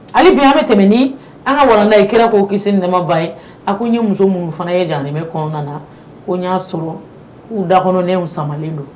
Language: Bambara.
Hali bi an bɛ tɛmɛ ni an ka walanda ye Kira ko kisi nɛɛma b'a ye, a ko n ye muso minnu fana ye jahanama kɔnɔna na ko n y'a sɔrɔ u dakɔnɔnɛnw samanen don